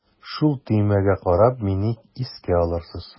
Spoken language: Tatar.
Шул төймәгә карап мине искә алырсыз.